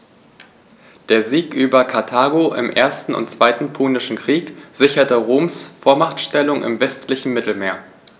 Der Sieg über Karthago im 1. und 2. Punischen Krieg sicherte Roms Vormachtstellung im westlichen Mittelmeer.